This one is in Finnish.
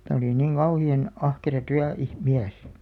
että oli niin kauhean ahkera -- työmies